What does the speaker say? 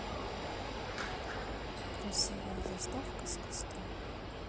красивая заставка с костром